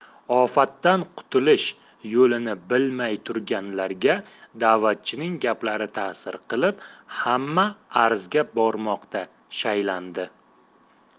ofatdan qutulish yo'lini bilmay turganlarga da'vatchining gaplari ta'sir qilib hamma arzga bormoqqa shaylandi